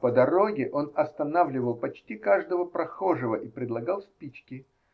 По дороге он останавливал почти каждого прохожего и предлагал спички.